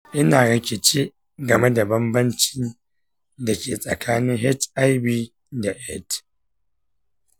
ina rikice game da banbancin da ke tsakanin hiv da aids.